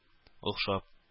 Охшап